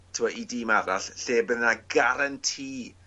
t'wo' i dîm arall lle bydda 'na guarantee